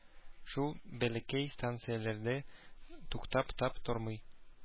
Шул бәләкәй станцияләрдә туктап та тормый.